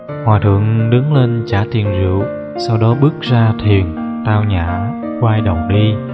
hòa thượng đứng lên trả tiền rượu sau đó bước ra thuyền tao nhã quay đầu đi